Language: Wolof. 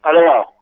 allo waaw